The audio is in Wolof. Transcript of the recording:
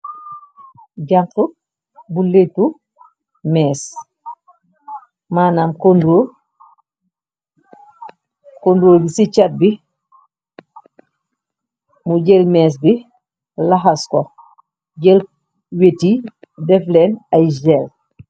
janx bu letu mees maanam konrool. Konrool gi ci cat bi mu jël mees bi laxas ko jël weti devlen ay gell.